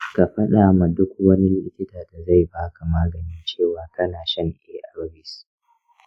ka faɗa ma duk wani likita da zai baka magani cewa kana shan arvs.